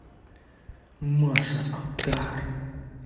маша отар